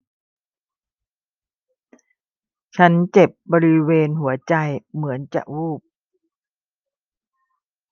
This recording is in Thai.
ฉันเจ็บบริเวณหัวใจเหมือนจะวูบ